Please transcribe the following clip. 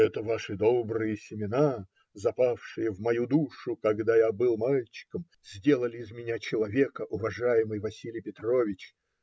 "Это ваши добрые семена, запавшие в мою душу, когда я был мальчиком, сделали из меня человека, уважаемый Василий Петрович",